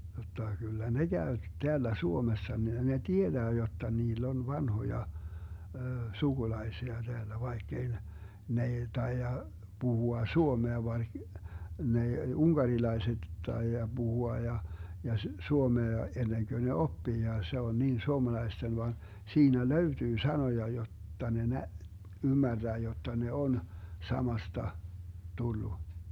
jotta kyllä ne käy täällä Suomessa ne tietää jotta niillä on vanhoja sukulaisia täällä vaikka ei ne ne ei taida puhua suomea vaan ne unkarilaiset taida puhua ja ja suomea ennen kuin ne oppii ja se on niin suomalaisten vaan siinä löytyy sanoja jotta ne - ymmärtää jotta ne on samasta tullut